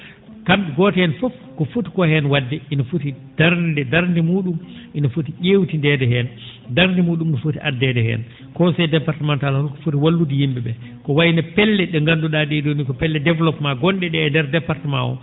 kam?e gooto heen fof ko foti koo heen wa?de ina foti darnude darnde muu?um ina foti ?eewtideede heen darnde muu?um no foti addeede heen conseil départemental holko foti wallude yim?e ?ee ko wayi no pelle ?e nganndu?aa ?ee ?oo ni ko pelle développement gon?e ?ee e ndeer département oo